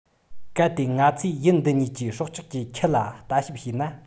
གལ ཏེ ང ཚོས ཡུལ འདི གཉིས ཀྱི སྲོག ཆགས ཀྱི ཁྱུ ལ ལྟ ཞིབ བྱས ན